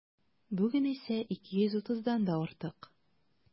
Бүген исә 230-дан да артык.